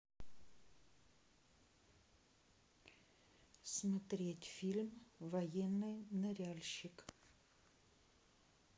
смотреть фильм военный ныряльщик